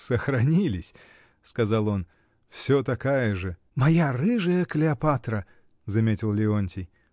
сохранились, — сказал он, — всё такая же. — Моя рыжая Клеопатра! — заметил Леонтий.